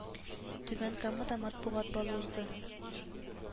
Түбән Камада матбугат балы узды